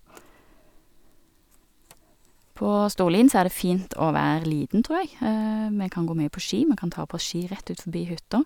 På Storlien så er det fint å være liten, tror jeg, vi kan gå mye på ski, vi kan ta på oss ski rett utforbi hytta.